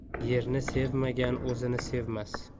yerni sevmagan o'zini sevmas